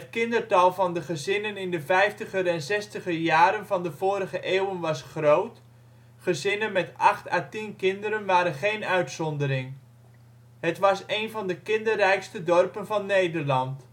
kindertal van de gezinnen in de vijftiger en zestiger jaren van de vorige eeuw was groot, gezinnen met 8 a 10 kinderen waren geen uitzondering. Het was een van de kinderrijkste dorpen van Nederland